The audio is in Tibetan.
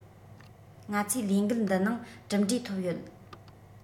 ང ཚོས ལས འགུལ འདི ནང གྲུབ འབྲས ཐོབ ཡོད